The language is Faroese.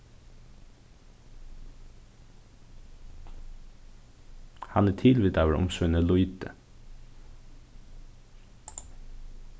hann er tilvitaður um síni lýti